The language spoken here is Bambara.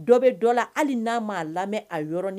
Dɔ bɛ dɔ la hali n'a m ma a lamɛn aɔrɔn